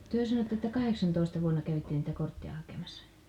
te sanoitte että kahdeksantoista vuonna kävitte niitä kortteja hakemassa